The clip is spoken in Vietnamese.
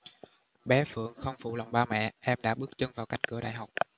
bé phượng không phụ lòng ba mẹ em đã bước chân vào cánh cửa đại học